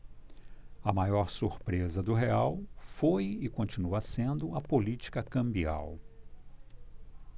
a maior surpresa do real foi e continua sendo a política cambial